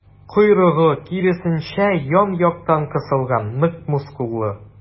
Койрыгы, киресенчә, ян-яктан кысылган, нык мускуллы.